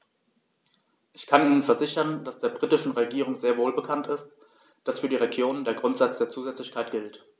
Ich kann Ihnen versichern, dass der britischen Regierung sehr wohl bekannt ist, dass für die Regionen der Grundsatz der Zusätzlichkeit gilt.